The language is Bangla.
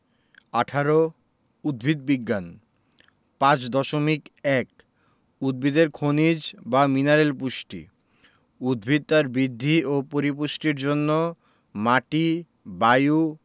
১৮ উদ্ভিদ বিজ্ঞান 5.1 উদ্ভিদের খনিজ বা মিনারেল পুষ্টি উদ্ভিদ তার বৃদ্ধি ও পরিপুষ্টির জন্য মাটি বায়ু